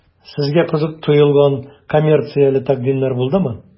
Сезгә кызык тоелган коммерцияле тәкъдимнәр булдымы?